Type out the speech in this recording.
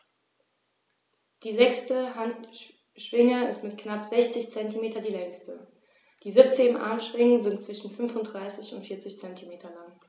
Die sechste Handschwinge ist mit knapp 60 cm die längste. Die 17 Armschwingen sind zwischen 35 und 40 cm lang.